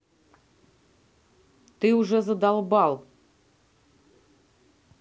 ты уже задолбал